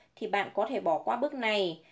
thì bạn có thể bỏ qua bước này